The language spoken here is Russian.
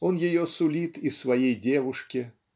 он ее сулит и своей девушке